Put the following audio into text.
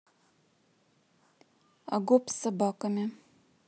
агоп с собаками